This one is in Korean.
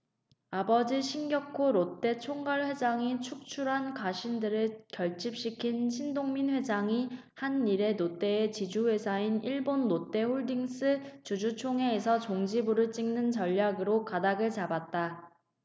아버지 신격호 롯데 총괄회장이 축출한 가신들을 결집시킨 신동빈 회장이 한 일 롯데의 지주회사인 일본 롯데홀딩스 주주총회에서 종지부를 찍는 전략으로 가닥을 잡았다